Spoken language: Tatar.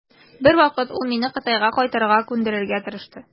Бер вакыт ул мине Кытайга кайтырга күндерергә тырышты.